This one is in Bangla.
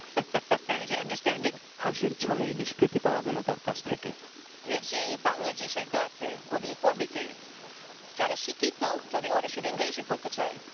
এইযে আন্ডারস্ট্যান্ডিং হাসির ছলেই নিষ্কৃতি পাওয়া গেল তার কাছ থেকে এই যে বাংলা সাহিত্য আছে ওগুলো পড়বে কে যারা শিক্ষিত যদি ওরা শুধু ইংরেজি পড়তে চায়